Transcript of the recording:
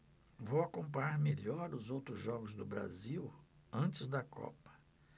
vou acompanhar melhor os outros jogos do brasil antes da copa